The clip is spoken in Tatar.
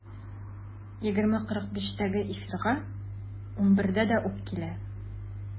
12.45-тәге эфирга 11-дә үк килә.